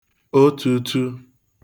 otūtū